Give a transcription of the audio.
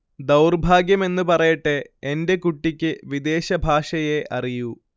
ദൗർഭാഗ്യമെന്നു പറയട്ടെ, 'എന്റെ കുട്ടിക്ക് വിദേശഭാഷയേ അറിയൂ'